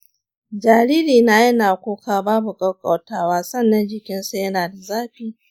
jaririna yana kuka babu ƙauƙautawa sannan jikinsa yana da zafi.